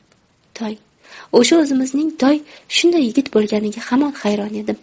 toy o'sha o'zimizning toy shunday yigit bo'lganiga hamon hayron edim